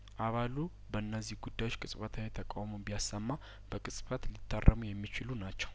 አባሉ በነዚህ ጉዳዮች ቅጽበታዊ ተቃውሞ ቢያሰማ በቅጽበት ሊታረሙ የሚችሉ ናቸው